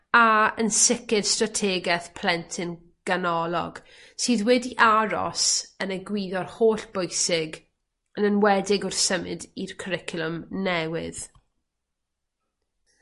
a yn sicir strategeth plentyn ganolog sydd wedi aros yn egwyddor hollbwysig, yn enwedig wrth symud i'r cwricwlwm newydd.